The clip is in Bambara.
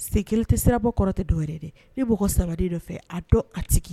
Sen tɛ sira bɔ kɔrɔ tɛ dɔwɛrɛ ye dɛ, ni mɔgɔ sama n'i nɔfɛ a dɔn a tigi